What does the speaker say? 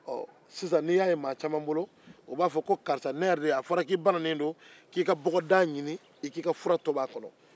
ɔ n'i y'a ye mɔgɔ caman bolo o b'a fɔ ko karisa ne yɛrɛ de a fɔrɔ k'i bananen k'i ka bɔgɔdaga ɲinin e k'i ka fura tobi a kɔnɔ